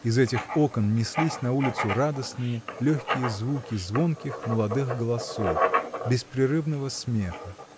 из этих окон неслись на улицу радостные, легкие звуки звонких молодых голосов, беспрерывного смеха